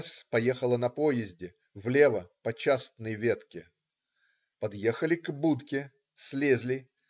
С. поехала на поезде, влево, по частной ветке. Подъехали к будке, слезли.